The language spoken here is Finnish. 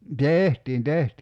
tehtiin tehtiin